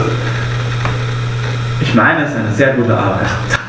Ich meine, es ist eine sehr gute Arbeit.